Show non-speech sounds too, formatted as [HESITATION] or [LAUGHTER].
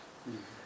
[HESITATION] [HESITATION]